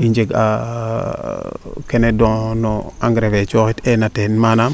i njenge a kene don no engrais fe coxit eena teen maana